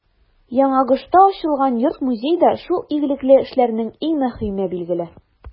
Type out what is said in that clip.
Яңагошта ачылган йорт-музей да шул игелекле эшләрнең иң мөһиме, билгеле.